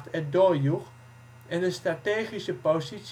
erdoor joeg en de strategische positie